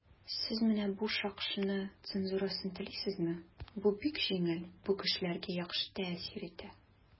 "сез менә бу шакшыны цензурасыз телисезме?" - бу бик җиңел, бу кешеләргә яхшы тәэсир итә.